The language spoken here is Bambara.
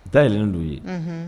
Da yɛlɛlen don i ye unhun